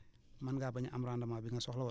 mën ngaa bañ a am rendement bi nga soxla woon